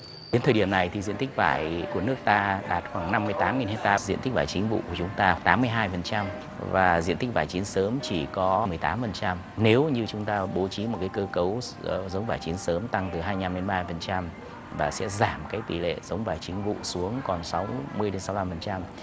đến thời điểm này thì diện tích vải của nước ta đạt khoảng năm mươi tám nghìn héc ta diện tích vải chính vụ của chúng ta tám mươi hai phần trăm và diện tích vải chín sớm chỉ có mười tám phần trăm nếu như chúng ta bố trí một cái cơ cấu giống vải chín sớm tăng từ hai nhăm đến ba mươi phần trăm và sẽ giảm cái tỷ lệ giống vải chính vụ xuống còn sáu mươi đến sáu lăm phần trăm